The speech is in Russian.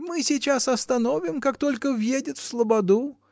Мы сейчас остановим, как только въедет в слободу.